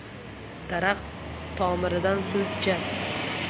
daraxt tomiridan suv ichar